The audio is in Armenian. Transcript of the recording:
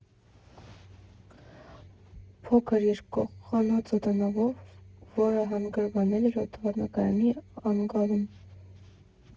Փոքր, երկտեղանոց օդանավով, որը հանգրվանել էր օդակայանի անգարում։